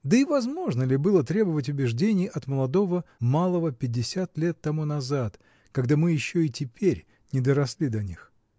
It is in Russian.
Да и возможно ли было требовать убеждений от молодого малого пятьдесят лет тому назад, когда мы еще и теперь не доросли до них?